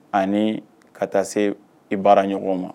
Anii ka taa se i baaraɲɔgɔnw ma